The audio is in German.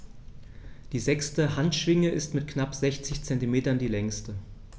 Die sechste Handschwinge ist mit knapp 60 cm die längste.